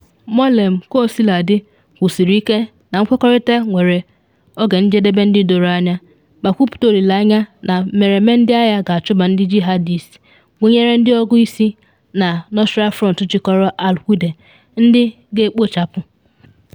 Moualem kaosiladị kwụsịrị ike na nkwekọrịta ahụ nwere “oge njedebe ndị doro anya” ma kwupute olile anya na mmereme ndị agha ga-achụba ndị jihadist gụnyere ndị ọgụ si na Nusra Front jikọrọ al-Qaeda, ndị “ ga-ekpochapụ.”